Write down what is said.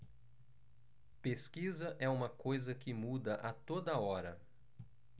pesquisa é uma coisa que muda a toda hora